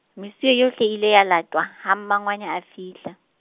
mesuwe yohle e ile ya latwa, ha mmangwane a fihla.